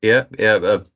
Ia ia yy...